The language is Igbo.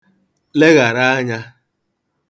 leyàra anyā